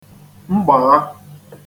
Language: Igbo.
-mgbàgha